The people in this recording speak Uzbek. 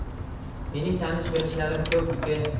mening tanish bilishlarim ko'p uka